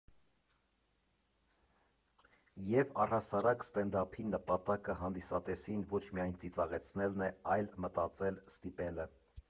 Եվ առհասարակ՝ սթենդափի նպատակը հանդիսատեսին ոչ միայն ծիծաղեցնելն է, այլ մտածել ստիպելը.